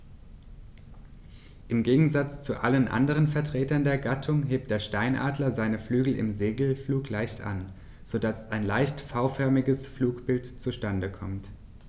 Im Gegensatz zu allen anderen Vertretern der Gattung hebt der Steinadler seine Flügel im Segelflug leicht an, so dass ein leicht V-förmiges Flugbild zustande kommt.